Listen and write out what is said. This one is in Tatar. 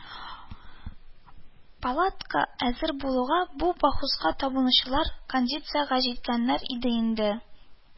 Палатка әзер булуга, бу “Бахуска табынучылар” “кондициягә” җиткәннәр иде инде